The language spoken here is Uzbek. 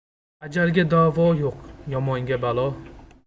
ajalga davo yo'q yomonga balo